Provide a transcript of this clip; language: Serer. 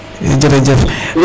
jerejef